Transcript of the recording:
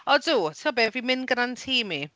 Odw, ti'n gwybod be, fi'n mynd gyda'n tîm i.